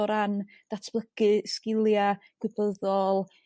o ran datblygu sgilia' gwybyddol,